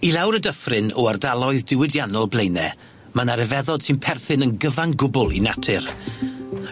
I lawr y dyffryn o ardaloedd diwydiannol Blaene, ma' 'na ryfeddod sy'n perthyn yn gyfan gwbwl i natur